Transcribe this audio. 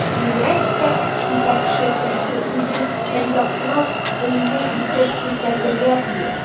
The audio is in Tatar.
Бигрәк тә җитәкче кеше үзен һәрьяклап өлге итеп күрсәтергә тиеш.